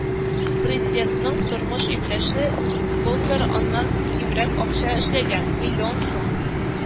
Президентның тормыш иптәше былтыр аннан кимрәк акча эшләгән - миллион сум